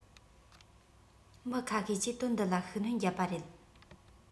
མི ཁ ཤས ཀྱིས དོན འདི ལ ཤུགས སྣོན བརྒྱབ པ རེད